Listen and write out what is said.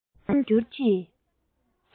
ཉམས དང འགྱུར གྱི